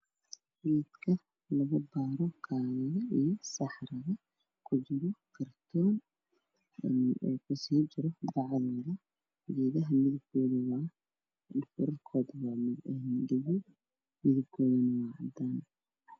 Waa kartoon waxaa ku jira caadado daawo ka dhammaadeen oo aada u farabadan oo fur koodu yahay guduud iyo cadaan